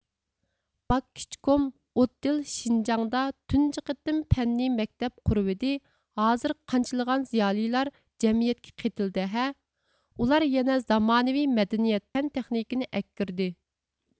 باكىچ كوم ئوددىل شىنجاڭدا تۇنجى قېتىم پەننىي مەكتەپ قۇرۇۋىدى ھازىر قانچىلىغان زىيالىيلار جەمئىيەتكە قېتىلدى ھە ئۇلار يەنە زامانىۋى مەدەنىيەت پەن تېخنىكىنى ئەكىردى